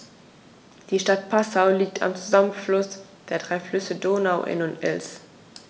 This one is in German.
Die Stadt Passau liegt am Zusammenfluss der drei Flüsse Donau, Inn und Ilz.